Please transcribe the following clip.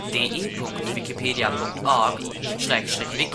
Filmproduzent und - regisseur